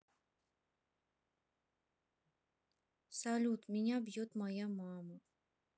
салют меня бьет моя мама